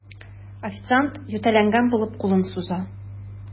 Официант, ютәлләгән булып, кулын суза.